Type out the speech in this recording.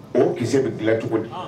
O kii bɛ dilan cogo di